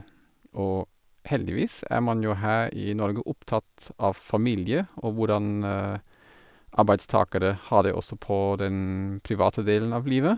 Og heldigvis er man jo her i Norge opptatt av familie og hvordan arbeidstakere har det også på den private delen av livet.